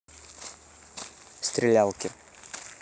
стрелялки